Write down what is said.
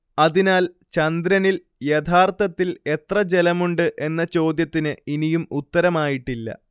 അതിനാൽ ചന്ദ്രനിൽ യഥാർത്ഥത്തിൽ എത്ര ജലമുണ്ട് എന്ന ചോദ്യത്തിന് ഇനിയും ഉത്തരമായിട്ടില്ല